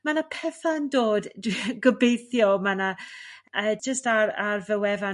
ma' 'na petha' yn dod gobeithio ma' 'na ee jyst ar fy wefan